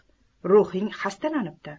ruhing xastalanibdi